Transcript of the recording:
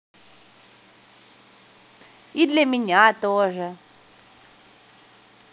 и для меня тоже